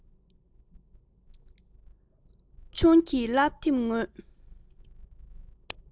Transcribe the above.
སློབ ཆུང གི བསླབ དེབ ངོས